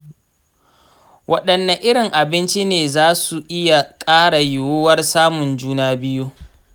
waɗanne irin abinci ne za su iya ƙara yiwuwar samun juna biyu?